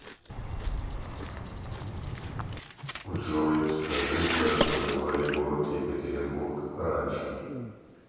джой скажи как называли город екатеринбург раньше